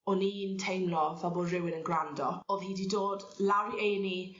o'n i'n teimlo fel bo' rywun yn gwrando. O'dd hi 'di dod lawr i Ay an' Ee